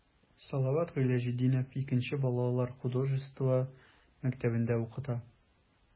Салават Гыйләҗетдинов 2 нче балалар художество мәктәбендә укыта.